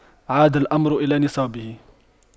عاد الأمر إلى نصابه